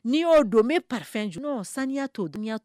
N'i y'o don n bɛ pafej saniya to o dun